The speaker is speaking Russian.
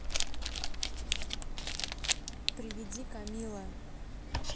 приведи камилла